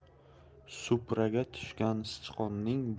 supraga tushgan sichqonning